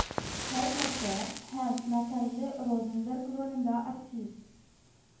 Хәй ләкәр һәм мәкерле розенберг ролендә артист